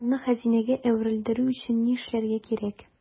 Бу хайванны хәзинәгә әверелдерү өчен ни эшләргә кирәк?